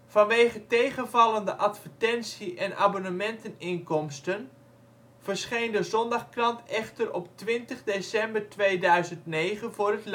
Vanwege tegenvallende advertentie - en abonnementeninkomsten verscheen de zondagkrant echter op 20 december 2009 voor het laatst